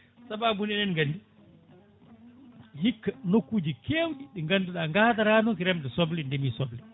saababude eɗen gandi hikka nokkuji kewɗi ɗi ganduɗa gadaranoki remde soble ndeemi soble